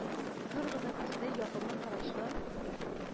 Зур гына күзле, ягымлы карашлы,